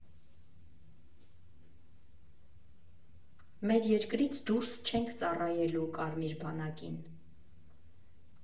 Մեր երկրից դուրս չենք ծառայելու Կարմիր բանակին։